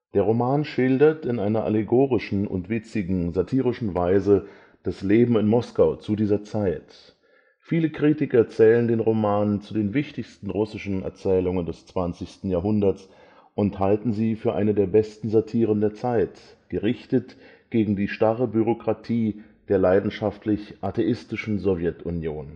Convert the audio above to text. Roman schildert in einer allegorischen und witzigen, satirischen Weise das Leben in Moskau zu dieser Zeit. Viele Kritiker zählen den Roman zu den wichtigsten russischen Erzählungen des 20. Jahrhunderts und halten sie für eine der besten Satiren der Zeit, gerichtet gegen die starre Bürokratie der leidenschaftlich atheistischen Sowjetunion